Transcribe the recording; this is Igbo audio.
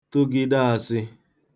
tụgide āsị̄